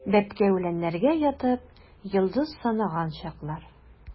Бәбкә үләннәргә ятып, йолдыз санаган чаклар.